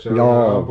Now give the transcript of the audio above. joo